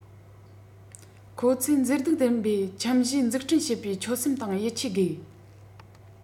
ཁོ ཚོས མཛེས སྡུག ལྡན པའི ཁྱིམ གཞིས འཛུགས སྐྲུན བྱེད པའི ཆོད སེམས དང ཡིད ཆེས དགོས